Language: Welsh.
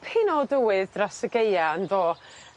ddipyn o dywydd dros y Gaea yndo?